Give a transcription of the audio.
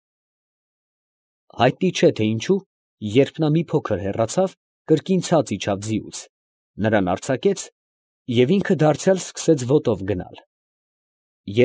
Հայտնի չէ, թե ի՞նչու, երբ նա մի փոքր հեռացավ, կրկին ցած իջավ ձիուց, նրան արձակեց և ինքն դարձյալ սկսեց ոտով գնալ։